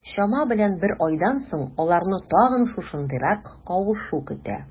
Чама белән бер айдан соң, аларны тагын шушындыйрак кавышу көтә.